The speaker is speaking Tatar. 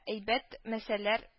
Әйбәт мәсәләр